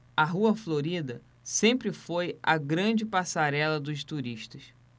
a rua florida sempre foi a grande passarela dos turistas